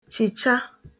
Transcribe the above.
chìcha